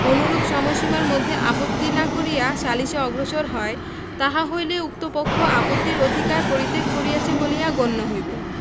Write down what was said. অনুরূপ সময়সীমার মধ্যে আপত্তি না করিয়া সালিসে অগ্রসর হয় তাহা হইলে উক্ত পক্ষ আপত্তির অধিকার পরিত্যাগ করিয়াছে বলিয়া গণ্য হইবে